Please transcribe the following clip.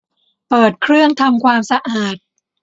เปิดเครื่องทำความสะอาด